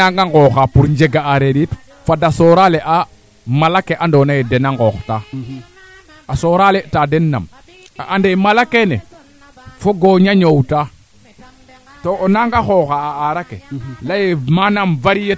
njigan Dibocor Ndong o gari bom won nong xirsong fi kiim kaaga too yit a jega comme i ndoka nga no ndiing ne nene feede faak rek falaku teen